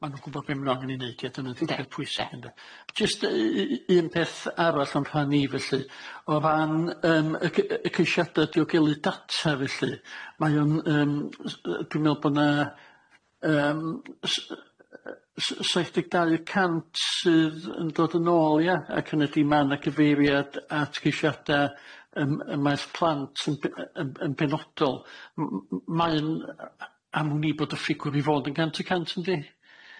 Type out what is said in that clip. Ma' nw'n gwbod be' ma' angen i neud ia dyna'n de- de- pwysig ynde? Jyst yy u- un peth arall am rhan i felly, o ran yym y g- yy y ceisiada diogelu data felly, mae o'n yym s- yy dwi'n me'wl bo' na yym s- yy s- saith deg dau y cant sydd yn dod yn ôl ia ac hynny ydi ma' na gyfeiriad at ceisiada yym y maes plant yn b- yy yn benodol m- m- mae'n a- am wn i bod y ffigwr i fod yn gant y cant yndi?